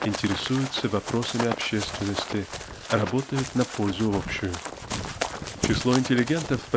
интересуется вопросами общественности работает на пользу общую. Число интеллигентов